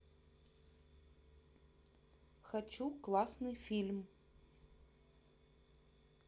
хочу классный фильм